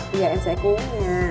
bây giờ em sẽ cuốn nha